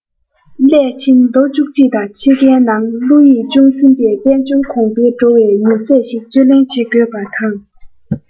སླད ཕྱིན ལོ བཅུ གཅིག དང ཕྱེད ཀའི ནང བློ ཡིད ཅུང ཚིམ པའི དཔལ འབྱོར གོང འཕེལ འགྲོ བའི མྱུར ཚད ཞིག བཙོན ལེན བྱེད དགོས དང